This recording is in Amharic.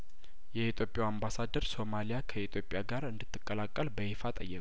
የኢትዮጵያው አምባሳደር ሶማሊያ ከኢትዮጵያ ጋር እንድት ቀላቀል በይፋ ጠየቁ